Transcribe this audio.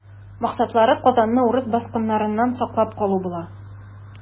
Максатлары Казанны урыс баскыннарыннан саклап калу була.